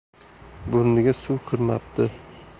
burniga suv kirmabdi